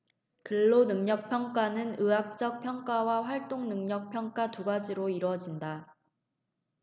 근로능력평가는 의학적 평가와 활동능력 평가 두 가지로 이뤄진다